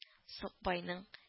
Сукбайның